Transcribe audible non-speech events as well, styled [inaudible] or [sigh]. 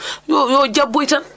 [breath] yo yo jabboy tan